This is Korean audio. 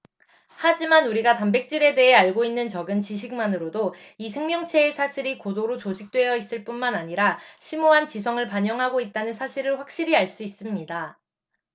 하지만 우리가 단백질에 대해 알고 있는 적은 지식만으로도 이 생명체의 사슬이 고도로 조직되어 있을 뿐만 아니라 심오한 지성을 반영하고 있다는 사실을 확실히 알 수 있습니다